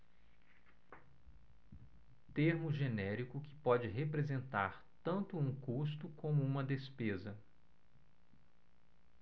termo genérico que pode representar tanto um custo como uma despesa